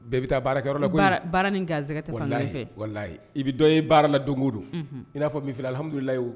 Bɛɛ bɛ taa baarakɛyɔrɔ la ko Ba baara ni gɛrɛsɛgɛ tɛ fan kelen fɛ. Walahi, walahi, i bɛ dɔ ye baarala don o don. Unhun! I n'a fɔ min filɛ Alhamdoulillahi o